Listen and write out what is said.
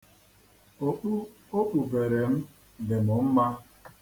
Okpu o kpubere m dị m mma.